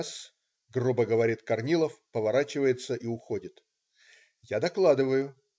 С. ",грубо говорит Корнилов, поворачивается и уходит. Я докладываю.